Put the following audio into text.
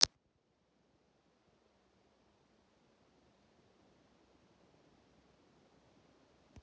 гаражные махинаторы вскрыли гараж должника